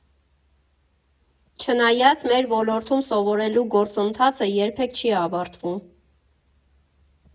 Չնայած, մեր ոլորտում սովորելու գործընթացը երբեք չի ավարտվում.